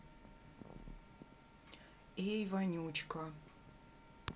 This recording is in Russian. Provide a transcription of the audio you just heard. эй вонючка